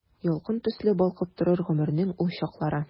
Ялкын төсле балкып торыр гомернең ул чаклары.